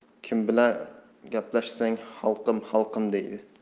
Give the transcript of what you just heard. kim bilan gaplashsang xalqim xalqim deydi